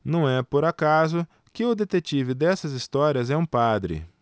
não é por acaso que o detetive dessas histórias é um padre